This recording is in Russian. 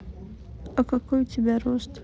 а какой у тебя рост